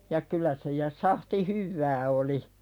ja kyllä se ja sahti hyvää oli